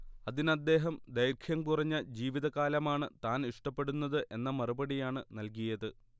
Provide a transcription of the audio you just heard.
അതിനദ്ദേഹം ദൈർഘ്യം കുറഞ്ഞ ജീവിതകാലമാണ് ഞാൻ ഇഷ്ടപ്പെടുന്നത് എന്ന മറുപടിയാണ് നൽകിയത്